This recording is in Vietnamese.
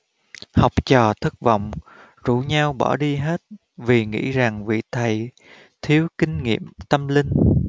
học trò thất vọng rủ nhau bỏ đi hết vì nghĩ rằng vị thầy thiếu kinh nghiệm tâm linh